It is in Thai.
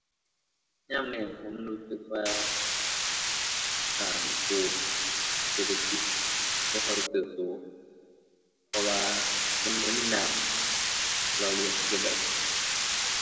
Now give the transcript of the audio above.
ยามแล้งผมรู้สึกว่า การปลูก เศรษฐกิจบ่ค่อยเติบโต เพราะว่ามันบ่มีน้ำหล่อเลี้ยงเก็บไว้